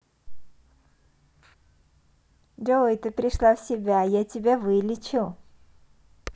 джой ты пришла в себя я тебя вылечу